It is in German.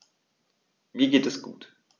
Mir geht es gut.